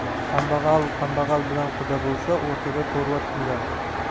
kambag'al kambag'al bilan quda bo'lsa o'rtada to'rva yurar